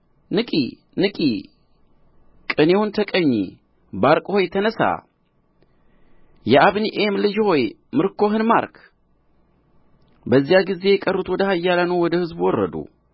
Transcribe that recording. ንቂ ንቂ ቅኔውን ተቀኚ ባርቅ ሆይ ተነሣ የአቢኒኤም ልጅ ሆይ ምርኮህን ማርክ በዚያ ጊዜ የቀሩት ወደ ኃያላኑና ወደ ሕዝቡ ወረዱ